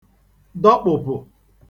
dọkpụ̀pụ̀